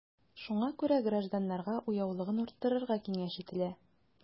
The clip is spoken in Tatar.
Шуңа күрә гражданнарга уяулыгын арттырыга киңәш ителә.